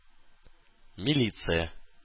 Милиция